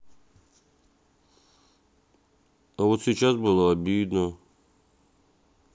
а вот сейчас было обидно